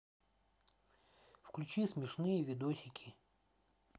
включи смешные видосики